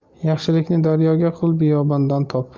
yaxshilikni daryoga qil biyobondan top